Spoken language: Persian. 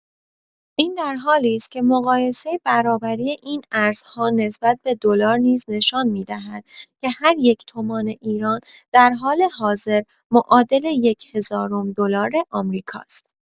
این در حالی است که مقایسه برابری این ارزها نسبت به دلار نیز نشان می‌دهد که هر یک تومان ایران، در حال حاضر، معادل یک‌هزارم دلار آمریکاست.